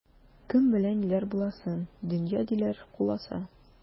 Кем белә ниләр буласын, дөнья, диләр, куласа.